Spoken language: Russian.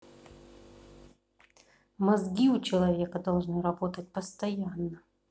мозги у человека должны работать постоянно